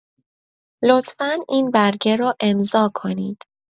لطفا این برگه رو امضا کنید.